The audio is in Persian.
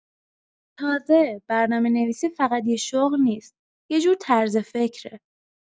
تازه، برنامه‌نویسی فقط یه شغل نیست؛ یه جور طرز فکره.